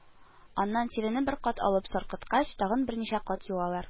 Аннан тирене бер кат алып саркыткач, тагын берничә кат юалар